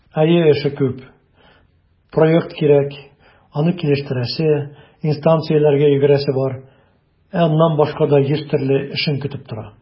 Әйе, эше күп - проект кирәк, аны килештерәсе, инстанцияләргә йөгерәсе бар, ә аннан башка да йөз төрле эшең көтеп тора.